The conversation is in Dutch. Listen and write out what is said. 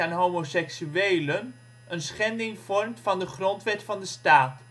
homoseksuelen een schending vormt van de grondwet van de staat